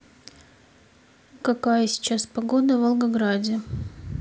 какая сейчас погода в волгограде